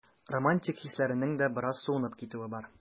Романтик хисләреңнең дә бераз суынып китүе бар.